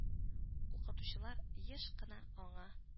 Укытучылар еш кына аңа